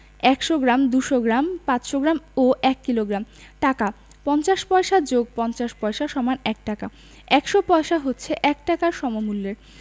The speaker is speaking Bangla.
১০০ গ্রাম ২০০ গ্রাম ৫০০ গ্রাম ও ১ কিলোগ্রাম টাকাঃ ৫০ পয়সা + ৫০ পয়সা = ১ টাকা ১০০ পয়সা হচ্ছে ১ টাকার সমমূল্যের